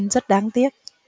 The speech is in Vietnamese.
rất đáng tiếc